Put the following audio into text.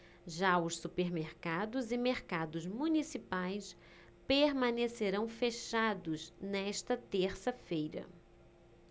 já os supermercados e mercados municipais permanecerão fechados nesta terça-feira